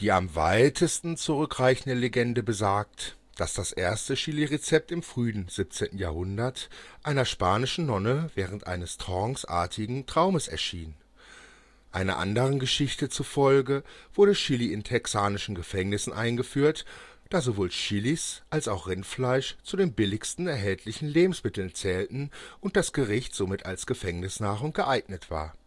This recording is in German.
am weitesten zurückreichende Legende besagt, dass das erste Chilirezept im frühen 17. Jahrhundert einer spanischen Nonne während eines tranceartigen Traumes erschien. Einer anderen Geschichte zufolge wurde Chili in texanischen Gefängnissen eingeführt, da sowohl Chilis als auch Rindfleisch zu den billigsten erhältlichen Lebensmitteln zählten und das Gericht somit als Gefängnisnahrung geeignet war